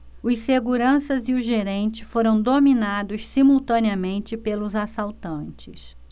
os seguranças e o gerente foram dominados simultaneamente pelos assaltantes